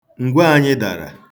Nkwe anyị dara.